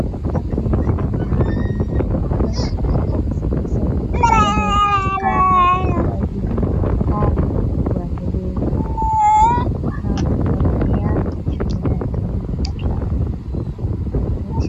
Halkan waxa yaalo cagado badan oo kasameeysan qaar nah waa gaduud qaarnah waa madoow waxa lamariyaa shukulatoyinka